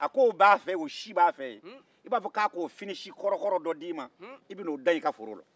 a ko o si b'a fɛ yen i b'a fɔ k'a k'o finisi kɔrɔ-kɔrɔ dɔ d'i ma i bɛ n'a dan i ka forola